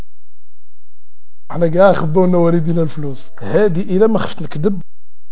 انا جاي اخذ الفلوس هذه